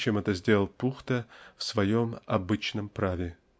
чем это сделал Пухта в своем "Обычном праве".